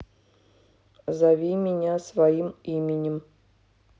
зови меня своим именем